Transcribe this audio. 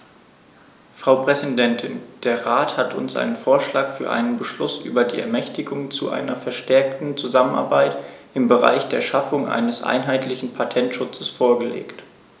Frau Präsidentin, der Rat hat uns einen Vorschlag für einen Beschluss über die Ermächtigung zu einer verstärkten Zusammenarbeit im Bereich der Schaffung eines einheitlichen Patentschutzes vorgelegt.